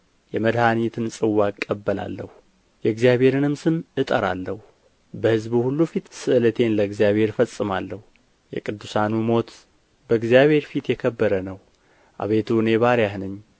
የመድኃኒትን ጽዋ እቀበላለሁ የእግዚአብሔርንም ስም እጠራለሁ በሕዝቡ ሁሉ ፊት ስእለቴን ለእግዚአብሔር እፈጽማለሁ የቅዱሳኑ ሞት በእግዚአብሔር ፊት የከበረ ነው አቤቱ እኔ ባሪያህ ነኝ